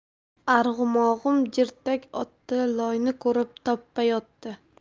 arg'umog'im jirtak otdi loyni ko'rib tappa yotdi